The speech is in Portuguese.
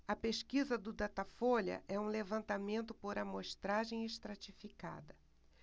a pesquisa do datafolha é um levantamento por amostragem estratificada